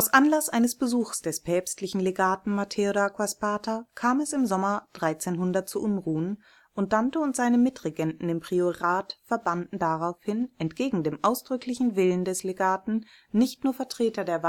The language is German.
Anlass eines Besuches des päpstlichen Legaten Matteo d’ Acquasparta kam es im Sommer 1300 zu Unruhen, und Dante und seine Mitregenten im Priorat verbannten daraufhin, entgegen dem ausdrücklichen Willen des Legaten, nicht nur Vertreter der